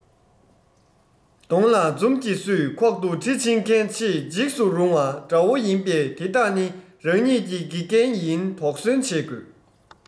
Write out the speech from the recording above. གདོང ལ འཛུམ གྱིས བསུས ཁོག ཏུ གྲི འཆིང མཁན ཆེས འཇིགས སུ རུང བ དགྲ བོ ཡིན པས དེ དག ནི རང ཉིད ཀྱི དགེ རྒན ཡིན དོགས ཟོན བྱེད དགོས